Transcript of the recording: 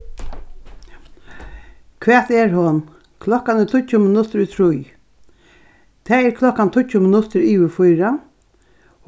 ja hvat er hon klokkan er tíggju minuttir í trý tað er klokkan tíggju minuttir yvir fýra